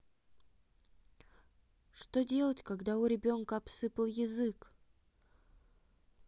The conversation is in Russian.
что делать когда у ребенка обсыпал язык